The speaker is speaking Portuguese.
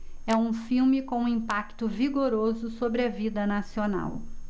é um filme com um impacto vigoroso sobre a vida nacional